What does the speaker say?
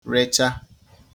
recha